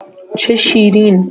چه شیرین